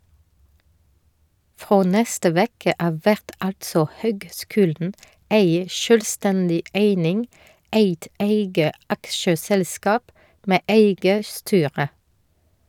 Frå neste veke av vert altså høgskulen ei sjølvstendig eining, eit eige aksjeselskap med eige styre.